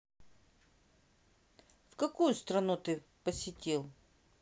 в какую страну ты бы посетил